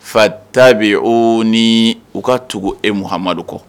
Fa ta bɛ yen o ni u ka tugu e muhamadu kɔ